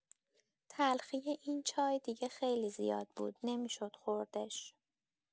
تلخی این چای دیگه خیلی زیاد بود، نمی‌شد خوردش.